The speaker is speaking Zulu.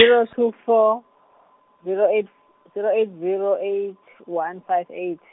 -ero two four, zero eight, zero eight, zero eight, one five eight.